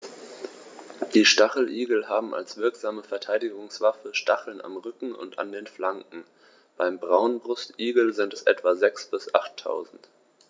Die Stacheligel haben als wirksame Verteidigungswaffe Stacheln am Rücken und an den Flanken (beim Braunbrustigel sind es etwa sechs- bis achttausend).